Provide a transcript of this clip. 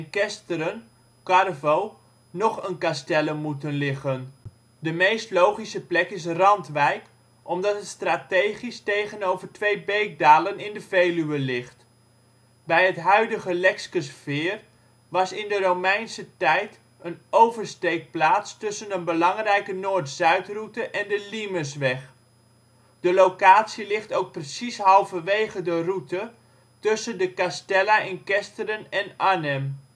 Kesteren (Carvo) nog een castellum moeten liggen. De meest logische plek is Randwijk, omdat het strategisch tegenover twee beekdalen in de Veluwe ligt. Bij het huidige Lexkesveer was in de Romeinse tijd een oversteekplaats tussen een belangrijke noord-zuidroute en de limesweg. De locatie ligt ook precies halverwege de route tussen de castella in Kesteren en Arnhem